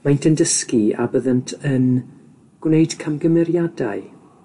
Maent yn dysgu a byddynt yn gwneud camgymeriadau.